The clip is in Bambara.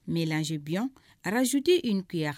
Mie ze bi zotee in kuyaya